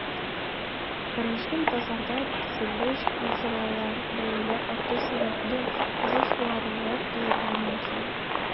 Беренчел базарда, төзелеш материалларына бәяләр арту сәбәпле, үсеш югарырак булырга мөмкин.